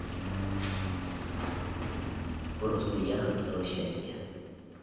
просто я хотела счастья